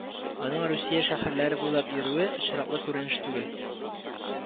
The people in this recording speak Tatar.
Аның Русия шәһәрләре буйлап йөрүе очраклы күренеш түгел